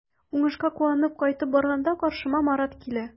Уңышка куанып кайтып барганда каршыма Марат килә.